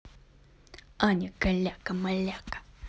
аня каляка маляка